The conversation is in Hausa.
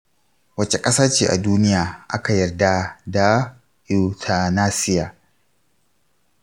wace ƙasa ce a duniya aka yarda da euthanasia?